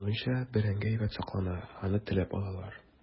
Артур әйтүенчә, бәрәңге әйбәт саклана, аны теләп алалар.